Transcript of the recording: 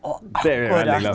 og akkurat.